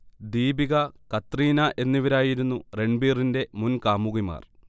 ദീപിക, കത്രീന എന്നിവരായിരുന്നു രൺബീറിന്റെ മുൻ കാമുകിമാർ